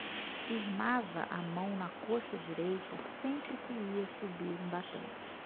firmava a mão na coxa direita sempre que ia subir um batente